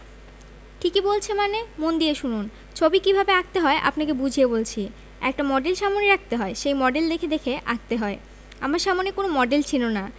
ঠিকই বলছে মানে মন দিয়ে শুনুন ছবি কি ভাবে আঁকতে হয় আপনাকে বুঝিয়ে বলছি একটা মডেল সামনে রাখতে হয় সেই মডেল দেখে দেখে আঁকতে হয় আমার সামনে কোন মডেল ছিল না